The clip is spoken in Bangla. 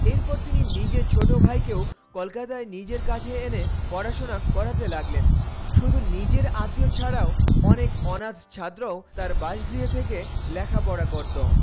এরপর তিনি নিজে ছোট ভাই কেউ কলকাতা নিজের কাছে এনে পড়াশোনা করাতে লাগলেন শুধু নিজের আত্মীয় ছাড়াও অনেক অনাথ ছাত্রও তার বাসগৃহ থেকে লেখাপড়া করতো